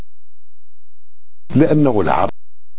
لانه